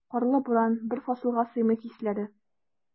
Карлы буран, бер фасылга сыймый хисләре.